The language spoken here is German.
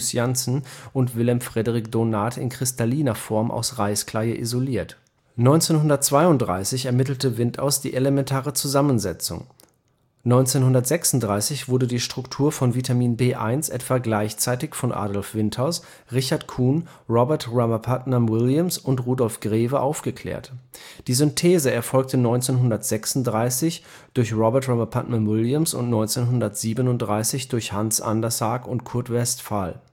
Jansen und Willem F. Donath in kristalliner Form aus Reiskleie isoliert. 1932 ermittelte Windaus die elementare Zusammensetzung. 1936 wurde die Struktur von Vitamin B1 etwa gleichzeitig von Adolf Windaus, Richard Kuhn, Robert R. Williams und Rudolf Grewe aufgeklärt. Die Synthese erfolgte 1936 durch Robert R. Williams und 1937 durch Hans Andersag und Kurt Westphal